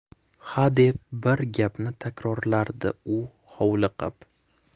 hadeb bir gapni takrorlardi u hovliqib